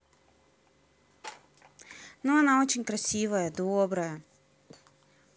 ну она очень красивая добрая